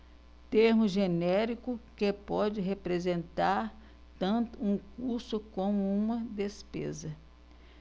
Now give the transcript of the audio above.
termo genérico que pode representar tanto um custo como uma despesa